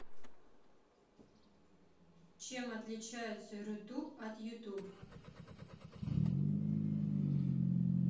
чем отличается рутуб от youtube